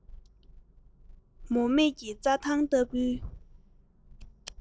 མུ མེད ཀྱི རྩྭ ཐང ལྟ བུའི